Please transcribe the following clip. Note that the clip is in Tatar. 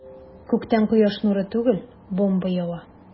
Күктән кояш нуры түгел, бомба ява.